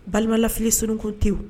Balimalafilisirikuntiw